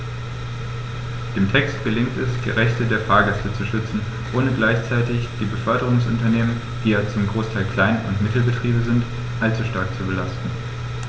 Dem Text gelingt es, die Rechte der Fahrgäste zu schützen, ohne gleichzeitig die Beförderungsunternehmen - die ja zum Großteil Klein- und Mittelbetriebe sind - allzu stark zu belasten.